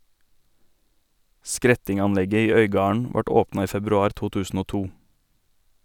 Skretting-anlegget i Øygarden vart åpna i februar 2002.